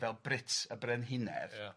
fel Bruts y Brenhinedd... Ia...